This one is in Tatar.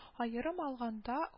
Аерым алганда